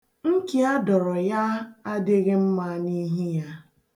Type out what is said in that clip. Nki a dọrọ ya adịghị mma n'ihu ya.